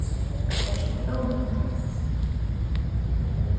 ert tú ónøgdur